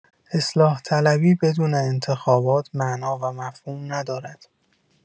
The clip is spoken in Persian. اصلاح‌طلبی بدون انتخابات معنا و مفهوم ندارد